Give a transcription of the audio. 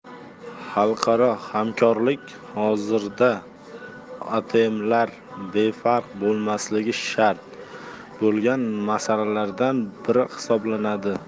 xalqaro hamkorlik hozirda otmlar befarq bo'lmasligi shart bo'lgan masalalardan biri hisoblanadi